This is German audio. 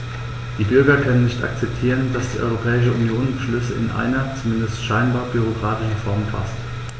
Die Bürger können nicht akzeptieren, dass die Europäische Union Beschlüsse in einer, zumindest scheinbar, bürokratischen Form faßt.